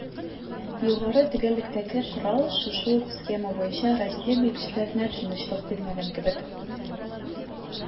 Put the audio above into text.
Югары төгәллектәге корал шушы ук схема буенча Россия белгечләренә тынычлык бирмәгән кебек: